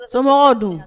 Sama dun